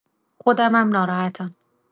خودمم ناراحتم